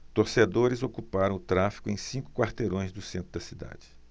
torcedores ocuparam o tráfego em cinco quarteirões do centro da cidade